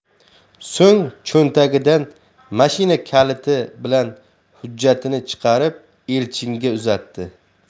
so'ng cho'ntagidan mashina kaliti bilan hujjatini chiqarib elchinga uzatdi